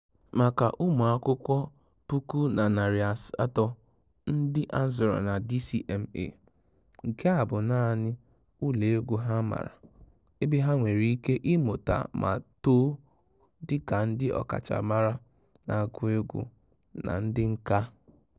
Maka ụmụ akwụkwọ 1,800 ndị a zụrụ na DCMA, nke a bụ naanị ụlọ egwu ha maara, ebe ha nwere ike ịmụta ma too dịka ndị ọkachamara na-agụ egwu na ndị ǹkà.